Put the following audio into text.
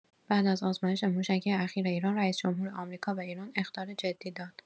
بعد از آزمایش موشکی اخیر ایران، رییس‌جمهور آمریکا به ایران «اخطار جدی» داد.